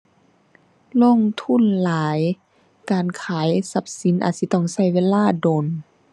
ลงทุนหลาย การขายทรัพย์สินอาจสิต้องใช้เวลาโดน